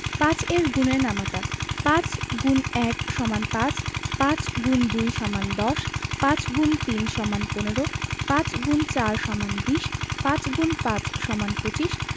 ৫ এর গুণের নামাতা ৫× ১ = ৫ ৫× ২ = ১০ ৫× ৩ = ১৫ ৫× ৪ = ২০ ৫× ৫ = ২৫